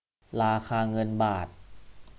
ราคาเงินบาท